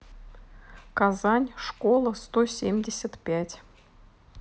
казань школа сто семьдесят пять